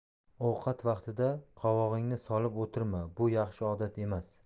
ovqat vaqtida qovog'ingni solib o'tirma bu yaxshi odat emas